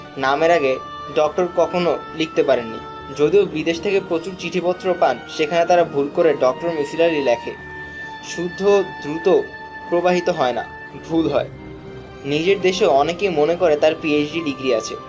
নামের আগে ড কখনাে লিখতে পারেন নি যদিও বিদেশ থেকে প্রচুর চিঠিপত্র পান যেখানে তারা ভুল করে ড মিসির আলি লেখে শুদ্ধ দ্রুত প্রবাহিত হয় না ভুল হয় নিজের দেশেও অনেকেই মনে করে তাঁর পিএইচডি ডিগ্রি আছে